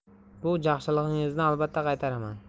bu jaxshilig'izni albatta qaytaraman